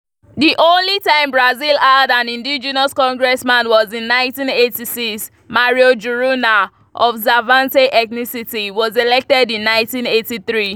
The only time Brazil had an indigenous congressman was in 1986 — Mario Juruna, of Xavante ethnicity, was elected in 1983.